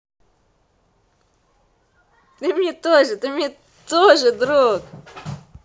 ты мне тоже ты мне тоже друг